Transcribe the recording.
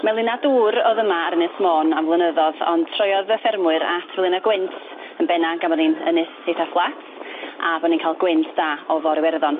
Melyna dŵr o'dd yma ar Ynys Môn am flynyddodd ond troiodd y ffermwyr at felyna gwynt yn benna' gan bo' ni'n ynys eitha fflat a bo' ni'n ca'l gwynt da o fôr Iwerddon.